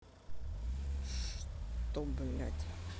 что блять